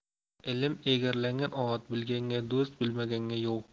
ilm egarlangan ot bilganga do'st bilmaganga yov